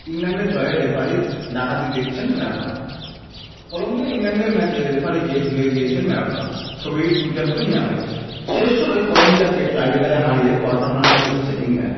ইংল্যান্ডের জয়ে রেফারির ডাকাতি দেখছেন ম্যারাডোনা কলম্বিয়া ইংল্যান্ড ম্যাচের রেফারিকে ধুয়ে দিয়েছেন ম্যারাডোনা ছবিটি টুইটার হতে নেয়া হয়েছে শেষ ষোলোয় কলম্বিয়াকে টাইব্রেকারে হারিয়ে কোয়ার্টার ফাইনালে উঠেছে ইংল্যান্ড